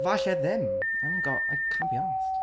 Falle ddim, I haven't got... I can't be arsed.